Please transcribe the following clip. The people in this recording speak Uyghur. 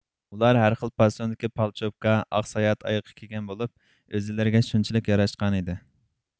ئۇلار ھەر خىل پاسوندىكى پالشوپكا ئاق ساياھەت ئايىغى كىيگەن بولۇپ ئۆزىلىرىگە شۇنچىلىك ياراشقانىدى